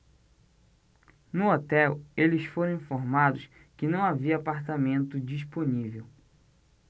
no hotel eles foram informados que não havia apartamento disponível